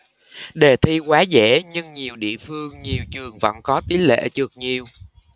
đề thi quá dễ nhưng nhiều địa phương nhiều trường vẫn có tỷ lệ trượt nhiều